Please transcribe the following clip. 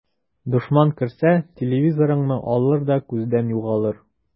Дошман керсә, телевизорыңны алыр да күздән югалыр.